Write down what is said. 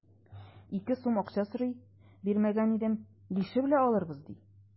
Ике сум акча сорый, бирмәгән идем, бише белән алырбыз, ди.